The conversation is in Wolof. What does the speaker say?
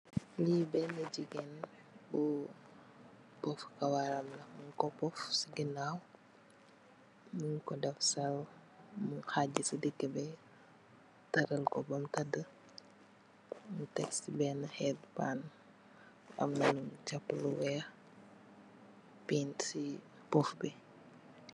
Lii benah gigain buu puff kawaram la, munkoh puff cii ginaw, munkoh def gel mu haaji cii digi bii, teudal kor behm tedue, mu tek cii benah headband, amna lum japue lu wekh, pin cii puff bii.